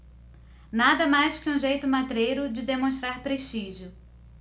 nada mais que um jeito matreiro de demonstrar prestígio